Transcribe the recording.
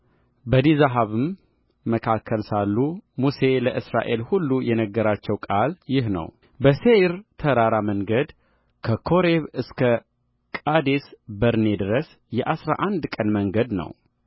በዲዛሃብም መካከል ሳሉ ሙሴ ለእስራኤል ሁሉ የነገራቸው ቃል ይህ ነውበሴይር ተራራ መንገድ ከኮሬብ እስከ ቃዴስ በርኔ ድረስ የአሥራ አንድ ቀን መንገድ ነው